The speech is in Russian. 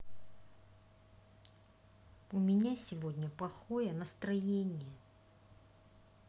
у меня сегодня плохое настроение